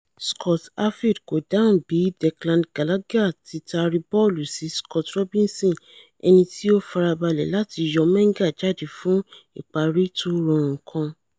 Scott Arfield kò dáhùn bí Declan Gallagher ti taari bọ́ọ̀lù sí Scott Robinson ẹnití ó farabalẹ̀ láti yọ Menga jáde fún ìparí tó rọrùn kan.